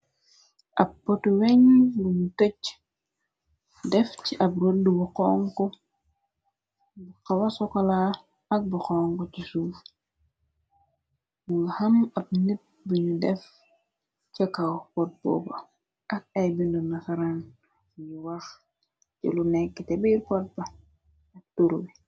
ab pot weñ bunu tëcc def ci ab rëdd bu xonk bu xawa sokola ak bu xonk ci suuf munga xam ab nit bunu def ca kaw poot booba ak ay bindu na saraan fuyu wax ci lu nekk te biir potpa ak turu bi.